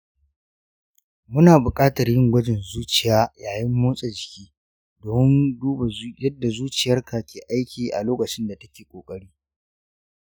muna buƙatar yin gwajin zuciya yayin motsa jiki domin duba yadda zuciyarka ke aiki lokacin da take ƙoƙari.